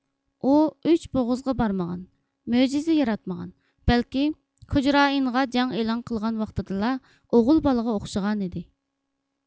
ئۇ ئۈچ بوغۇزغا بارمىغان مۆجىزە ياراتمىغان بەلكى كوجرائىنغا جەڭ ئېلان قىلغان ۋاقتىدىلا ئوغۇل بالىغا ئوخشىغانىدى